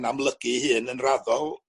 yn amlygu 'i hun yn raddol